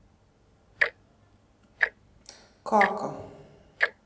кака